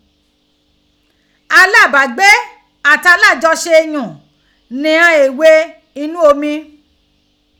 Alábàágbé àti alájọṣe iyùn ni ighan eghé inú omi.